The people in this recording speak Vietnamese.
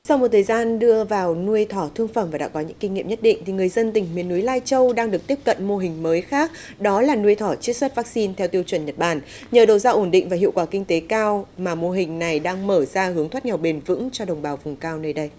sau một thời gian đưa vào nuôi thỏ thương phẩm và đã có những kinh nghiệm nhất định thì người dân tỉnh miền núi lai châu đang được tiếp cận mô hình mới khác đó là nuôi thỏ chiết xuất vắc xin theo tiêu chuẩn nhật bản nhờ đầu ra ổn định và hiệu quả kinh tế cao mà mô hình này đang mở ra hướng thoát nghèo bền vững cho đồng bào vùng cao nơi đây